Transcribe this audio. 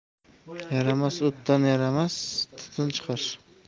yaramas o'tdan yaramas tutun chiqar